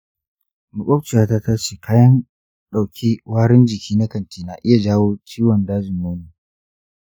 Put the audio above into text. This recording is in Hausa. makwabciyata ta ce kayan dauke warin jiki na kanti na iya jawo ciwon dajin nono.